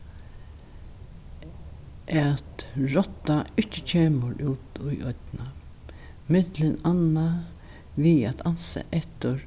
at rotta ikki kemur út í oynna millum annað við at ansa eftir